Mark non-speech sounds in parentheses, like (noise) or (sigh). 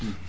(hesitation) (hesitation) (breath)